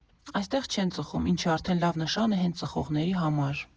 Այստեղ չեն ծխում, ինչը արդեն լավ նշան է հենց ծխողների համար։